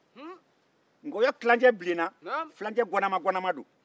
nkɔyɔ tilance bilenna tilancɛ gananma don